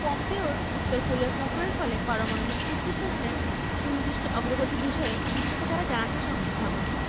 পম্পেওর উত্তর কোরিয়া সফরের ফলে পারমাণবিক চুক্তি প্রশ্নে সুনির্দিষ্ট অগ্রগতি বিষয়ে বিশ্বকে তারা জানাতে সক্ষম হবে